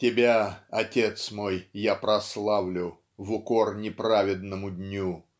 Тебя, Отец мой, прославлю, В укор неправедному дню